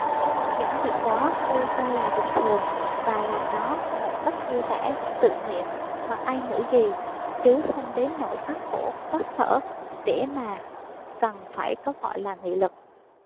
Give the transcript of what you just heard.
những chuyện đó tôi cho là bình thường và làm nó một cách vui vẻ tự nguyện mặc ai nghĩ gì chứ không đến nỗi phát khổ phát sở để mà cần phải có cái gọi là nghị lực